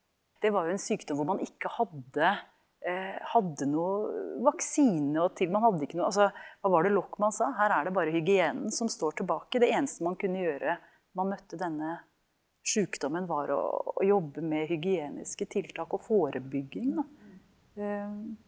det var jo en sykdom hvor man ikke hadde hadde noen vaksine og til man hadde ikke noe altså hva var det Lockmann sa, her er det bare hygienen som står tilbake, det eneste man kunne gjøre man møtte denne sjukdommen var å jobbe med hygieniske tiltak og forebygging da .